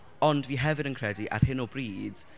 ond fi hefyd yn credu ar hyn o bryd...